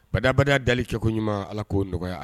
Ba dabali dalen cɛkoɲumanuma ala ko nɔgɔya